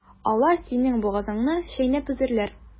Алар синең бугазыңны чәйнәп өзәрләр.